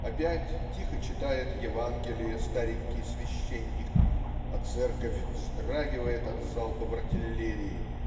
Опять тихо читает Евангелие старенький священник, а церковь вздрагивает от залпов артиллерии.